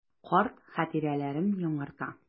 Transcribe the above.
Карт хатирәләрен яңарта.